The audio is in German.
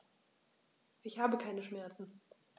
Ich habe keine Schmerzen.